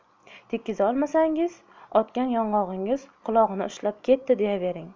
tekkizolmasangiz otgan yong'og'ingiz qulog'ini ushlab ketdi deyavering